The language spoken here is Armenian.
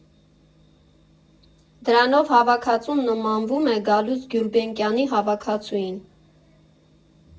Դրանով հավաքածուն նմանվում է Գալուստ Գյուլբենկյանի հավաքածուին.